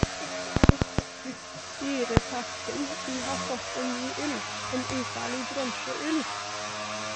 Dyreparken i har fått en ny ulv - en ufarlig bronseulv.